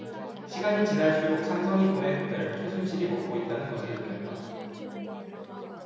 시간이 지날수록 삼성이 보낸 돈을 최순실이 먹고 있다는 것을 느꼈다